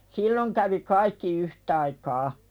silloin kävi kaikki yhtaikaa